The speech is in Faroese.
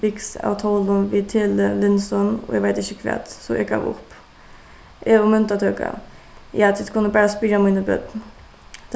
viks av tólum við telelinsum og eg veit ikki hvat so eg gav upp eg og myndatøka ja tit kunnu bara spyrja míni børn